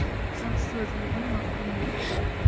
afsus bugun vaqtim yo'q